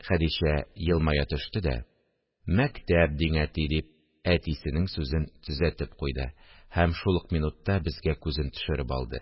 Хәдичә елмая төште дә: – Мәктәп диң, әти, – дип, әтисенең сүзен төзәтеп куйды һәм шул ук минутта безгә күзен төшереп алды